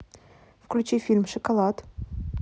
включи фильм шоколад